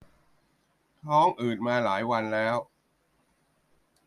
ท้องอืดมาหลายวันแล้ว